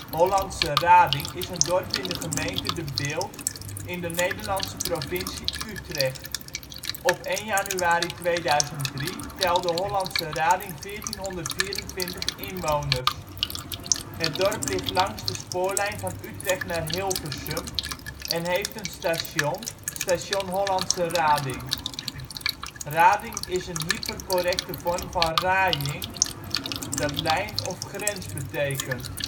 Hollandsche Rading is een dorp in de gemeente De Bilt, in de Nederlandse provincie Utrecht. Op 1 januari 2003 telde Hollandsche Rading 1424 inwoners. Het dorp ligt langs de spoorlijn van Utrecht naar Hilversum en heeft een station (station Hollandsche Rading). Rading is een hypercorrecte vorm van raaiing, dat lijn of grens betekent